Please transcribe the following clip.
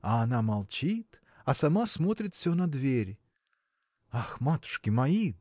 – а она молчит, а сама смотрит все на дверь. Ах, матушки мои!